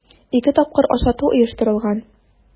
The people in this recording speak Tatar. Ике тапкыр ашату оештырылган.